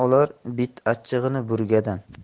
olar bit achchig'ini burgadan